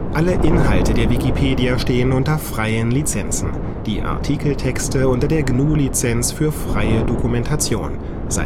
Alle Inhalte der Wikipedia stehen unter freien Lizenzen – die Artikeltexte unter der GNU-Lizenz für freie Dokumentation, ab